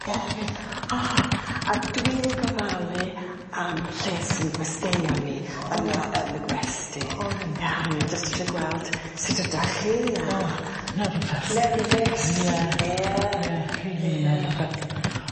Oce. A dwi'n gofalu am lles 'yn gwesteion ni ... O reit. ...yma yn y gwesty. O reit. Ia... Oce. ...a o'n i jyst isie gweld sut ydach chi a... O nervous. Nerfys? Ie. Ie. Ie rili... Ie. ...nervous.